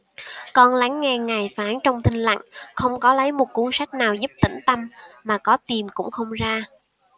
con lắng nghe ngài phán trong thinh lặng không có lấy một cuốn sách nào giúp tĩnh tâm mà có tìm cũng không ra